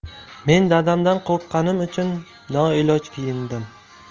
men dadamdan qo'rqqanim uchun noiloj kiyindim